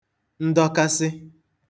ndọkasị